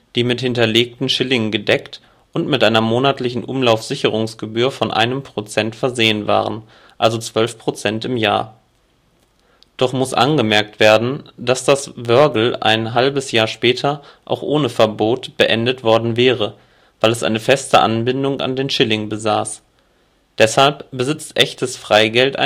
die mit hinterlegten Schilling gedeckt und mit einer monatlichen Umlaufsicherungsgebühr von 1 Prozent versehen waren, also 12 Prozent im Jahr. Doch muss angemerkt werden, dass das Wörgl ein halbes Jahr später auch ohne Verbot beendet worden wäre, weil es eine feste Anbindung an den Schilling besaß. Deshalb besitzt echtes Freigeld